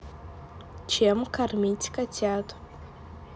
чем кормить котят